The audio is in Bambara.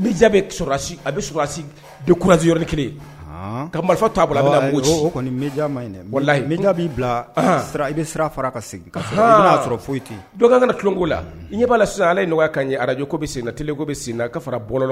Jasi a bɛsi donkurasi yɔrɔli kelen ka marifa taaboloa bolo'i bila i bɛ fara ka segin ka'a foyikan kanako la ɲɛ'a la sisan ale nɔgɔya kan ɲɛ arajko bɛ senleko bɛ sen ka fara bɔlɔ